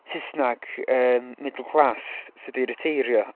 Saesneg yym middle class sydd 'di riteirio...